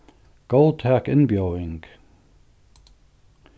góðtak innbjóðing